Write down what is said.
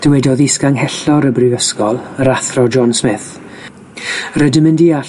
dywedodd is ganghellor y brifysgol, yr athro John Smith: Rydym yn deall